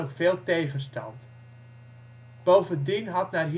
veel tegenstand. Bovendien had naar